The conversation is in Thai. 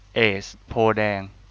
เอซโพธิ์แดง